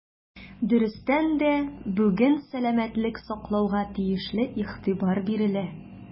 Дөрестән дә, бүген сәламәтлек саклауга тиешле игътибар бирелә.